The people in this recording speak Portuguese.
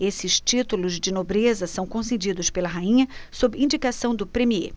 esses títulos de nobreza são concedidos pela rainha sob indicação do premiê